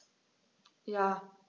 Ja.